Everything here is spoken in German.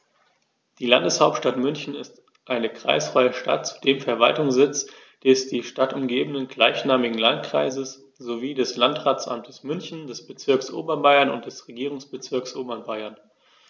Die Landeshauptstadt München ist eine kreisfreie Stadt, zudem Verwaltungssitz des die Stadt umgebenden gleichnamigen Landkreises sowie des Landratsamtes München, des Bezirks Oberbayern und des Regierungsbezirks Oberbayern.